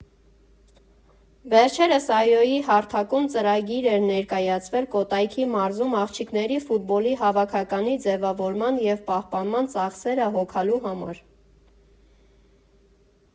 Վերջերս ԱՅՈ֊ի հարթակում ծրագիր էր ներկայացվել Կոտայքի մարզում աղջիկների ֆուտբոլի հավաքականի ձևավորման և պահպանման ծախսերը հոգալու համար։